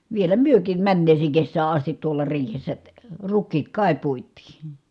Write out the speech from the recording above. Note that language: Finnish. vielä mekin menneeseen kesään asti tuolla riihessä rukiit kai puitiin